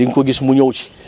di nga ko gis mu ñëw ci